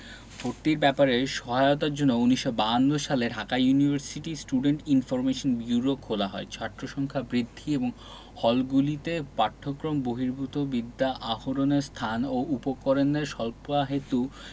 ভর্তির ব্যাপারে সহায়তার জন্য ১৯৫২ সালে Dhaka university students information bureau খোলা হয় ছাত্রসংখ্যা বৃদ্ধি এবং হলগুলিতে পাঠ্যক্রম বহির্ভূত বিদ্যা আহরণের স্থান ও উপকরণের স্বল্পাহেতু